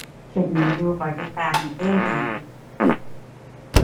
ก็ดีอยู่ บริการเร็วดีอยู่